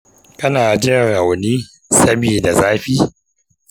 kana jin rauni saboda zafi?